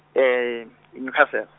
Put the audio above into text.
e- Newcastle.